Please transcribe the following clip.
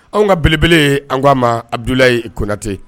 Anw ka belebele an k'a ma abudula konatɛ